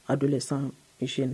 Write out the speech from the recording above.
A donna sans